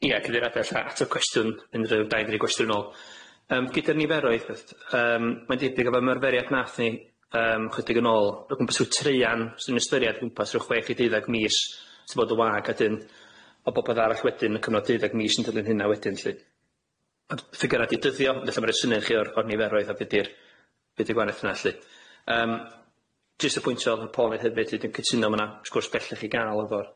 Ia cyfeiriadaeth at y cwestiwn un ne' ddau gwestiwn nôl yym gyda'r niferoedd yym mae'n debyg o'r ymyrferiad nath ni yym chydig yn ôl o gwmas ryw traean dy'n ystyried gwmpas ryw chwech i deuddag mis ti'mod y wag a 'dyn o bobedd arall wedyn yn cyfnod deuddag mis yn dilyn hynna wedyn lly. Ond ffigura 'di dyddio falla' ma'n roid syniad i chi o'r o'r niferoedd a be di'r be 'di gwahaniath yna lly. Yym jyst y pwynt o'dd Paul yn ddeud hefyd yn cytuno ma' 'na sgwrs bellach i ga'l efo'r